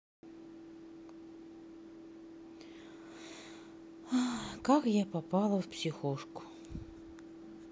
как я попала в психушку